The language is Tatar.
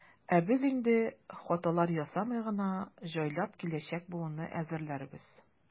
Ә без инде, хаталар ясамый гына, җайлап киләчәк буынны әзерләрбез.